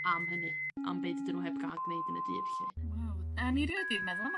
am hynny am be' dydyn nhw heb ga'l gneud yn y dydd 'lly. Waw 'dan ni rioed 'di meddwl am y